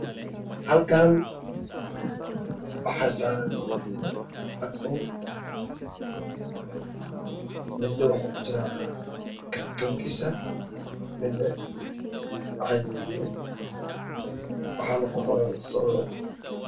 Halkaan waxaa saran barfuun midna waxuu ku jiraa kartonkisa midne caadi weye waxana ku qoran soor